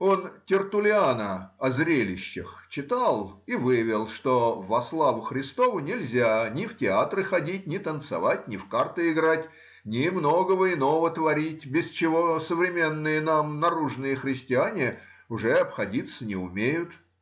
Он Тертуллиана О зрелищах читал и вывел, что во славу Христову нельзя ни в театры ходить, ни танцевать, ни в карты играть, ни многого иного творить, без чего современные нам, наружные христиане уже обходиться не умеют.